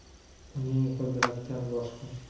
uning g'ildirakdan boshqa